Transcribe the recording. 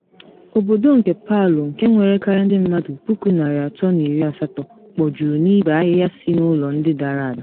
Obodo nke Palu, nke nwere karịa ndị mmadụ 380,000, kpojuru n’ibe ahịhịa si na ụlọ ndị dara ada.